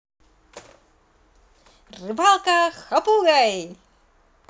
рыбалка хапугой